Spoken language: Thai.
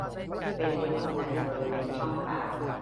เป็นร้อนในบริเวณช่องปาก